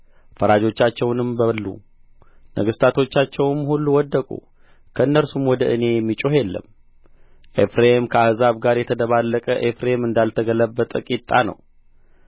ፈራጆቻቸውንም በሉ ነገሥታቶቻቸውም ሁሉ ወደቁ ከእነርሱም ወደ እኔ የሚጮኽ የለም ኤፍሬም ከአሕዛብ ጋር ተደባለቀ ኤፍሬም እንዳልተገላበጠ ቂጣ ነው